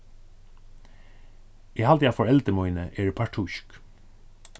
eg haldi at foreldur míni eru partísk